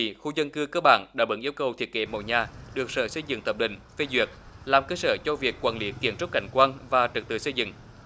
thị khu dân cư cơ bản đáp ứng nhu cầu thiết kế mẫu nhà được sở xây dựng thẩm định phê duyệt làm cơ sở cho việc quản lý kiến trúc cảnh quan và trật tự xây dựng